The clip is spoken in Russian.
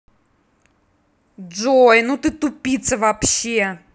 джой ну ты тупица вообще